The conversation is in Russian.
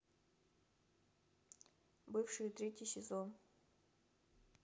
бывшие третий сезон